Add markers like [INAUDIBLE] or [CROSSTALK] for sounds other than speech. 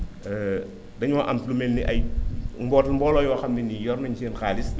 [HESITATION] dañoo am ci lu mel ne ay [NOISE] mboo mbooloo yoo xam ne nii yor nañ seen xaalis